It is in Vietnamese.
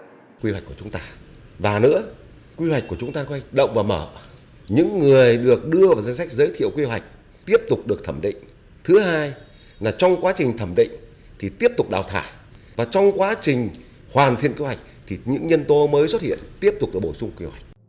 quy hoạch của chúng ta và nữa quy hoạch của chúng ta quy hoạch động và mở những người được đưa vào danh sách giới thiệu quy hoạch tiếp tục được thẩm định thứ hai là trong quá trình thẩm định thì tiếp tục đào thải và trong quá trình hoàn thiện kế hoạch thì những nhân tố mới xuất hiện tiếp tục được bổ sung quy hoạch